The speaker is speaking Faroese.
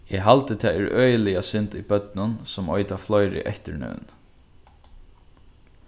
eg haldi tað er øgiliga synd í børnum sum eita fleiri eftirnøvn